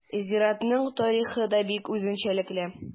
Зиратның тарихы да бик үзенчәлекле.